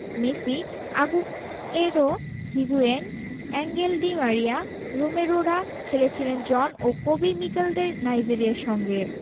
Messi Aguero Higuain Angel di Maria রোমেরোরা খেলেছিলেন John Obi মিকেলদের নাইজেরিয়ার সঙ্গে